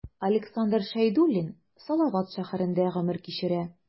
Александр Шәйдуллин Салават шәһәрендә гомер кичерә.